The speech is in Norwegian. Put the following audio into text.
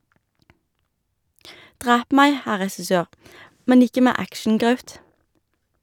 Drep meg, herr regissør, men ikke med actiongraut.